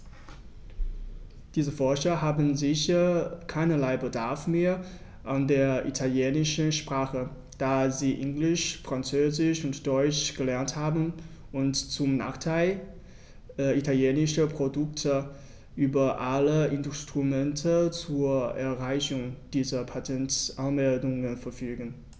Diese Forscher haben sicher keinerlei Bedarf mehr an der italienischen Sprache, da sie Englisch, Französisch und Deutsch gelernt haben und, zum Nachteil italienischer Produkte, über alle Instrumente zur Einreichung dieser Patentanmeldungen verfügen.